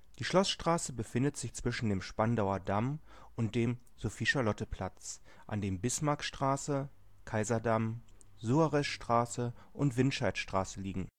Die Schloßstraße befindet sich zwischen dem Spandauer Damm und dem Sophie-Charlotte-Platz, an dem Bismarckstraße, Kaiserdamm, Suarezstraße und Windscheidstraße liegen